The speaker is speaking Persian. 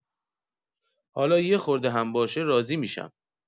حالا یه خورده هم باشه راضی می‌شم